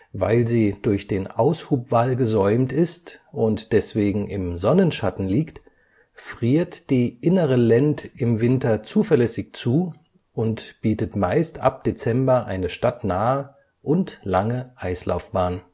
Weil sie durch den Aushubwall gesäumt ist und deswegen im Sonnenschatten liegt, friert die innere Lend im Winter zuverlässig zu und bietet meist ab Dezember eine stadtnahe und lange Eislaufbahn